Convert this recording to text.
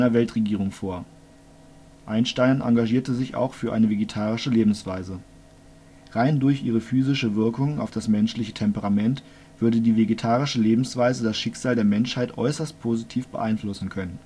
Weltregierung vor. Einstein engagierte sich auch für eine vegetarische Lebensweise: „ Rein durch ihre physische Wirkung auf das menschliche Temperament würde die vegetarische Lebensweise das Schicksal der Menschheit äußerst positiv beeinflussen können